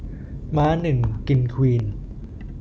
ม้าหนึ่งกินควีน